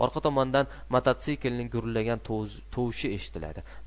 orqa tomondan mototsiklning gurillagan tovushi eshitiladi